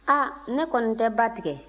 a ne kɔni tɛ ba tigɛ